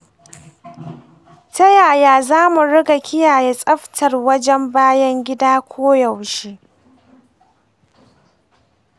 ta yaya za mu riƙa kiyaye tsaftar wajen bayan gida koyaushe?